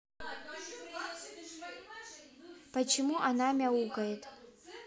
почему она мяукает